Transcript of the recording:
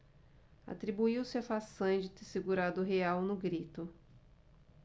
atribuiu-se a façanha de ter segurado o real no grito